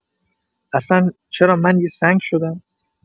اصلا چرا من یه سنگ شدم؟!